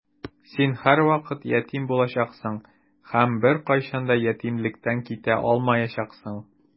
Син һәрвакыт ятим булачаксың һәм беркайчан да ятимлектән китә алмаячаксың.